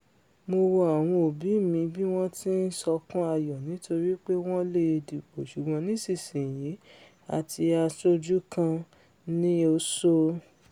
Mo wo àwọn òbí mi bí wọ́n ti ń sọkún ayọ̀ nítorí pe wọ́n leè dìbo sùgbọ́n nísinsìnyí a ti há sójú kan,'' ni o sọ.